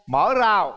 mở rào